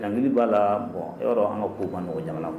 Lankili b'a labɔ yɔrɔ an ka' ban nɔgɔ jamana